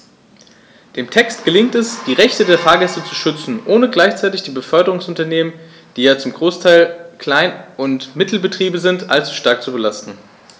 Dem Text gelingt es, die Rechte der Fahrgäste zu schützen, ohne gleichzeitig die Beförderungsunternehmen - die ja zum Großteil Klein- und Mittelbetriebe sind - allzu stark zu belasten.